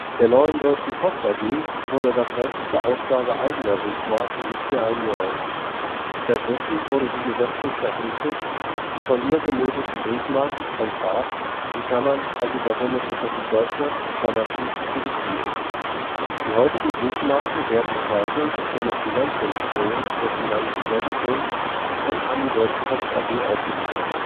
Der neuen Deutschen Post AG wurde das Recht zur Ausgabe eigener Briefmarken nicht mehr eingeräumt. Stattdessen wurde sie gesetzlich verpflichtet, die von ihr benötigten Briefmarken vom Staat (also der Bundesrepublik Deutschland) zu beziehen. Die heutigen Briefmarken werden nach Weisung des Bundesministeriums der Finanzen hergestellt und an die Deutsche Post AG ausgeliefert